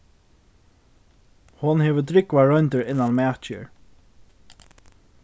hon hevur drúgvar royndir innan matgerð